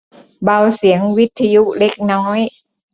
เบาเสียงวิทยุเล็กน้อย